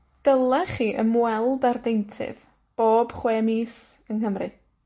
Dyle chi ymweld â'r ddeintydd bob chwe mis yng Nghymru.